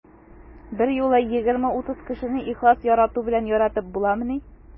Берьюлы 20-30 кешене ихлас ярату белән яратып буламыни?